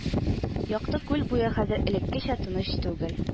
Якты күл буе хәзер элеккечә тыныч түгел